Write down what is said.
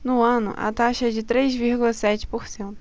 no ano a taxa é de três vírgula sete por cento